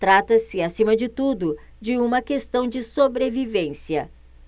trata-se acima de tudo de uma questão de sobrevivência